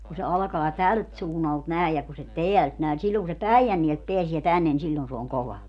kun se alkaa tältä suunnalta näin ja kun se täältä näin niin silloin kun se Päijänteeltä pääsee tänne niin silloin se on kova